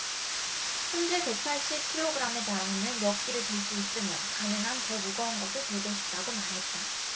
현재 백 팔십 킬로그람에 달하는 역기를 들 수 있으며 가능한 더 무거운 것을 들고 싶다고 말했다